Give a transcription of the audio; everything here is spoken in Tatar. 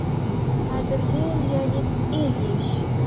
«кадерле леонид ильич!»